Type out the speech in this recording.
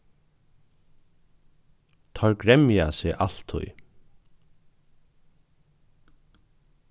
teir gremja seg altíð